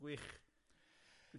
Gwych.